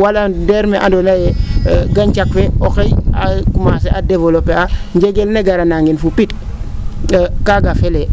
waala ndeer mee andoona ye gañcax fee oxey commencer a developper waa njegel ne gara naang supit kaaga felee